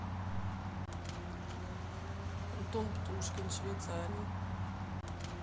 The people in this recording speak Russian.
антон птушкин швейцария